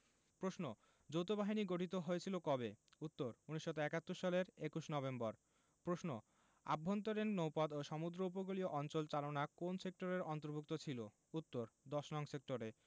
প্রশ্ন যৌথবাহিনী গঠিত হয়েছিল কবে উত্তর ১৯৭১ সালের ২১ নভেম্বর প্রশ্ন আভ্যন্তরীণ নৌপথ ও সমুদ্র উপকূলীয় অঞ্চল চালনা কোন সেক্টরের অন্তভু র্ক্ত ছিল উত্তরঃ ১০নং সেক্টরে